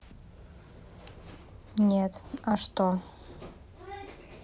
нет а что